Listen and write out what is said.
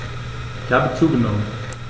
Ich habe zugenommen.